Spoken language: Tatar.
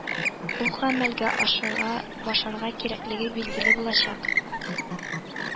Үк гамәлгә ашыра башларга кирәклеге билгеле булачак